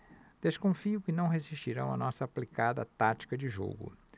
desconfio que não resistirão à nossa aplicada tática de jogo